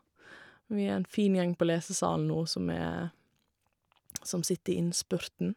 Vi er en fin gjeng på lesesalen nå som er som sitter i innspurten.